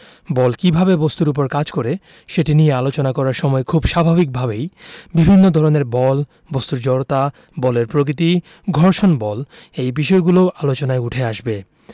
বল কীভাবে বস্তুর উপর কাজ করে সেটি নিয়ে আলোচনা করার সময় খুব স্বাভাবিকভাবেই বিভিন্ন ধরনের বল বস্তুর জড়তা বলের প্রকৃতি ঘর্ষণ বল এই বিষয়গুলোও আলোচনায় উঠে আসবে